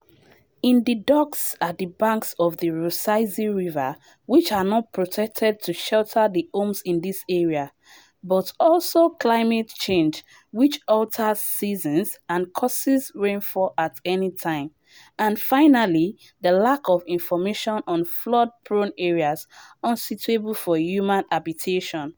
In the docks are the banks of the Rusizi River which are not protected to shelter the homes in this area; but also climate change, which alters seasons and causes rainfall at any time; and, finally, the lack of information on flood-prone areas unsuitable for human habitation.